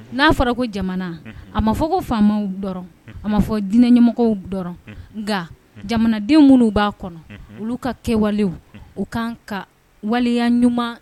Na fɔra ko jamana , a ma fɔ ko faamaw dɔrɔn Unhun . A ma fɔ ko dinɛ ɲɛmɔgɔw dɔrɔn Unhun . Nga jamanaden munun ba kɔnɔ, olu ka kɛwalew u ka kan ka waleya ɲuman